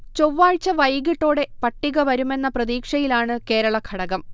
ചൊവ്വാഴ്ച വൈകിട്ടോടെ പട്ടിക വരുമെന്ന പ്രതീക്ഷയിലാണ് കേരളഘടകം